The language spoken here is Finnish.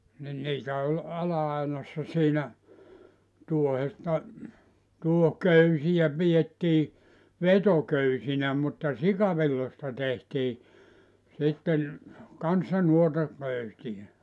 niin niitä oli ala-ainassa siinä tuohesta tuohiköysiä pidettiin vetoköysinä mutta sikavilloista tehtiin sitten kanssa noita köysiä